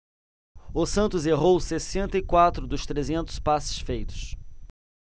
o santos errou sessenta e quatro dos trezentos passes feitos